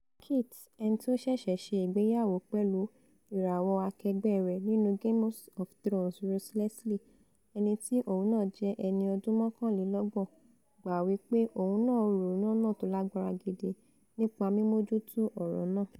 Kit, ẹnití ó ṣẹ̀ṣẹ̀ ṣe ìgbéyàwó pẹ̀lú ìràwọ akẹgbẹ́ rẹ̵̀ nínú Games of Thrones Rose Leslie, ẹnití òun náà jẹ́ ẹni ọdún mọ́kànlélọ́gbọ̀n, gbà wí pé òun náà rò 'lọ́nà tólágbára gidi' nípa mímójútó ọ̀rọ̀ náà.